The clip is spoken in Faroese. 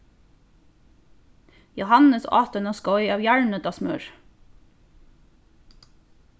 jóhannes át eina skeið av jarðnøtasmøri